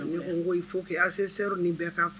N ko foke a se se ni bɛɛ'a faga